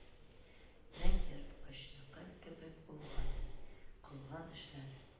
Нәкъ ерткычныкы кебек булган, ди, кылган эшләре